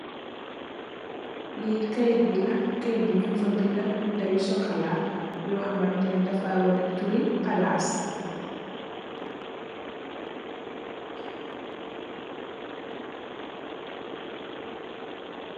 Li kayit bi la, kayit bi ñing fa bindé bindé yu sokola yo xamanteh neh dafay waneh turi palas.